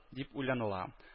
Дип уйланыла